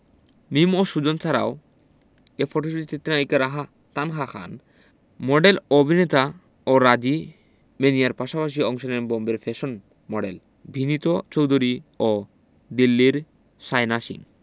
মিম ও সুজন ছাড়াও ছাড়াও এ ফটোশ্যুটে চিত্রনায়িকা রাহা তানহা খান মডেল ও অভিনেতা ও রাজি ম্যানিয়ার পাশাপাশি অংশ নেন বোম্বের ফ্যাশন মডেল ভিনিত চৌধুরী ও দিল্লির শায়না সিং